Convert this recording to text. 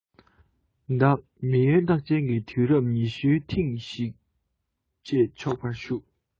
བདག མེལ ཡའི རྟགས ཅན གྱི དུས རབས ཉི ཤུའི ཐེངས ཤིག བྱེད ཆོག པར ཞུ